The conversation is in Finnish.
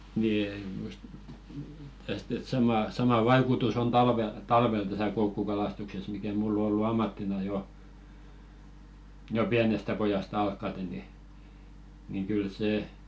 niin - just tästä että sama sama vaikutus on talvella talvella tässä koukkukalastuksessa mikä minulla on ollut ammattina jo jo pienestä pojasta alkaen niin niin kyllä se